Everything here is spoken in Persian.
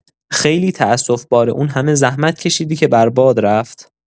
خیلی تأسف‌باره اون همه زحمت کشیدی که برباد رفت!